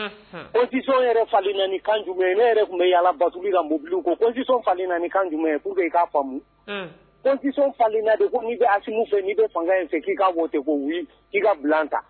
Fa ne tun bɛ yala batubi falen kan fa faleni bɛmu fɛ'i bɛ fanga fɛ k ka ta